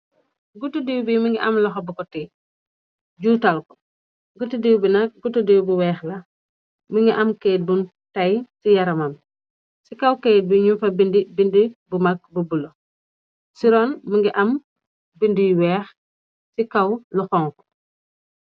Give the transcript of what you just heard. Gutu duiw bi mongi am loxo bu ko tiye juutal ko potidiw bi nak gutu diw bu weex la mongi am kayt bu tay ci yaramam ci kaw keyt bi ñu fa bind bindi bu mag bu bulo siron mi ngi am binduy weex ci kaw lu xonku.